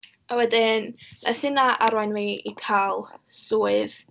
A wedyn, wnaeth hynna arwain fi i cael swydd.